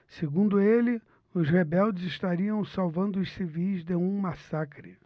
segundo ele os rebeldes estariam salvando os civis de um massacre